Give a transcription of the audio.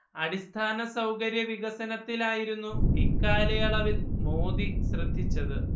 അടിസ്ഥാന സൗകര്യ വികസനത്തിലായിരുന്നു ഇക്കാലയളവിൽ മോദി ശ്രദ്ധിച്ചത്